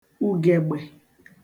ùgègbè